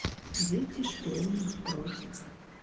дети шпионов против